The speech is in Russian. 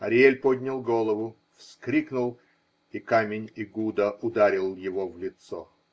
Ариэль поднял голову, вскрикнул -- и камень Эгуда ударил его в лицо.